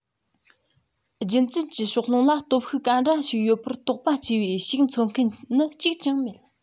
རྒྱུད འཛིན གྱི ཕྱོགས ལྷུང ལ སྟོབས ཤུགས ག འདྲ ཞིག ཡོད པར དོགས པ སྐྱེ བའི ཕྱུགས འཚོ མཁན ནི གཅིག ཀྱང མེད